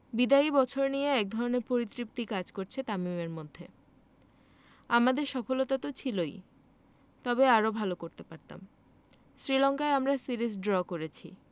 বিদায়ী বছর নিয়ে একধরনের পরিতৃপ্তি কাজ করছে তামিমের মধ্যে আমাদের সফলতা তো ছিলই তবে আরও ভালো করতে পারতাম শ্রীলঙ্কায় আমরা সিরিজ ড্র করেছি